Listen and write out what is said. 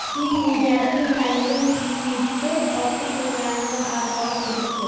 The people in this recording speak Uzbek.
teng yeganni tangri suyibdi ortiq yeganni arvoh uribdi